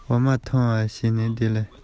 མི ཤུགས ཡོད པ རྣམས ཀྱིས